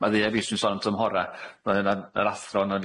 Maddeua i fi os sôn am tymhora ma' hynna'n yr athro 'na i